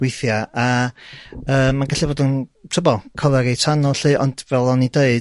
withia a yym ma'n gallu fod yn t'bod cyfnod reit anodd llu ond fel oni'n d'eud